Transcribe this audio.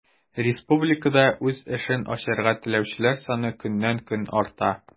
Республикада үз эшен ачарга теләүчеләр саны көннән-көн арта.